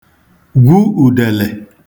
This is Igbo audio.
gwu ùdèlè